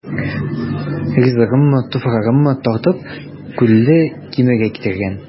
Ризыгыммы, туфрагыммы тартып, Күлле Кимегә китергән.